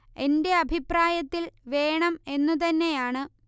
എന്റെ അഭിപ്രായത്തിൽ വേണം എന്നു തന്നെയാണ്